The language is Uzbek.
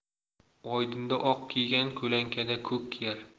oydinda oq kiygan ko'lankada ko'k kiyar